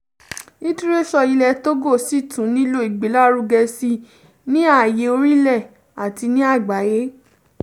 Litiréṣọ̀ ilẹ̀ Togo sì tún nílò ìgbélárugẹ síi ní àyè orílẹ̀ àti ní àgbáyé.